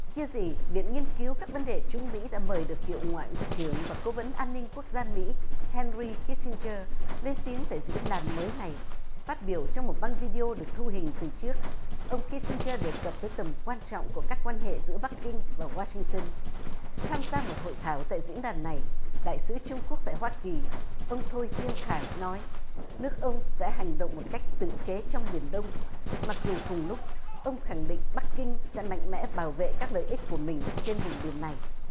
chưa gì viện nghiên cứu các vấn đề trung mỹ đã mời được cựu ngoại trưởng và cố vấn an ninh quốc gia mỹ hen ri kít sin giơ lên tiếng tại diễn đàn mới này phát biểu trong một băng vi đi ô được thu hình từ trước ông kít sin giơ đề cập tới tầm quan trọng của các quan hệ giữa bắc kinh và oa sinh tơn tham gia một hội thảo tại diễn đàn này đại sứ trung quốc tại hoa kỳ ông thôi thiên khải nói nước ông sẽ hành động một cách tự chế trong biển đông mặc dù cùng lúc ông khẳng định bắc kinh sẽ mạnh mẽ bảo vệ các lợi ích của mình trên vùng biển này